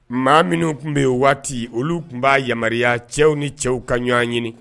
Maa minnu tun bɛ yen waati olu tun b'a yamaruya cɛw ni cɛw ka ɲɔgɔn ɲini